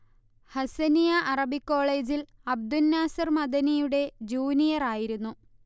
Hasaniya Arabic കോളേജിൽ അബ്ദുന്നാസിർ മദനിയുടെ ജൂനിയറായിരുന്നു